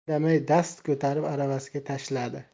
indamay dast ko'tarib aravasiga tashladi